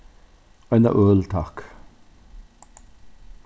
eina øl takk